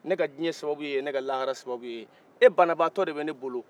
ne ka diɲɛ sababu ye e ye ne ka lahara sababu y'e ye e bananbaga tɔ de bɛ ne bolo